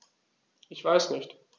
Ich weiß nicht.